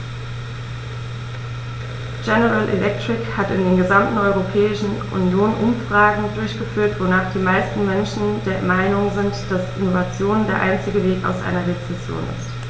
General Electric hat in der gesamten Europäischen Union Umfragen durchgeführt, wonach die meisten Menschen der Meinung sind, dass Innovation der einzige Weg aus einer Rezession ist.